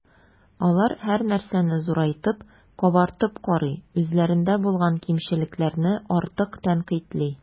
Алар һәрнәрсәне зурайтып, “кабартып” карый, үзләрендә булган кимчелекләрне артык тәнкыйтьли.